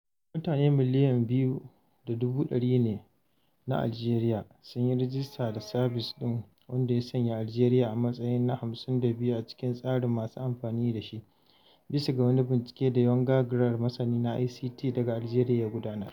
Mutane miliyan 2.1 na Algeria sun yi rajista da sabis ɗin, wanda ya sanya Algeria a matsayi na 52 a cikin tsarin masu amfani da shi, bisa ga wani bincike da Younes Grar, masani na ICT daga Algeria ya gudanar.